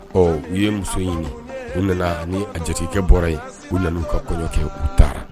Ɔ u ye muso ɲini u bɛna la ni a jatigikɛ bɔra yen u la ka kɔ kɛ u taara